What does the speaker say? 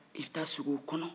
i bɛ taa sigi o kɔnɔ